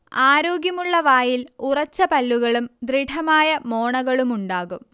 ആരോഗ്യമുള്ള വായിൽ ഉറച്ച പല്ലുകളും ദൃഢമായ മോണകളുമുണ്ടാകും